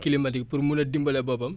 climatique pour mun a dimbale boppam